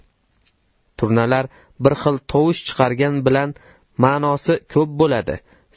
turnalar bir xil tovush chiqargani bilan ma'nosi ko'p bo'ladi